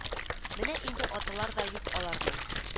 Менә инде аталары да юк аларның